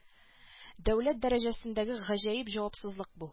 Дәүләт дәрә әсендәге га әеп авапсызлык бу